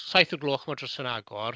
Saith o'r gloch ma'r drysau'n agor.